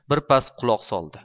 bir pas quloq soldi